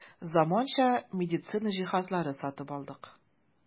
Заманча медицина җиһазлары сатып алдык.